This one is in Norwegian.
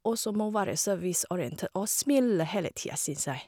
Og så må være serviceorientert og smile hele tida, syns jeg.